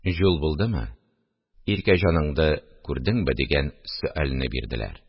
– җул булдымы, иркәҗаныңды күрдеңбе? – дигән сөальне бирделәр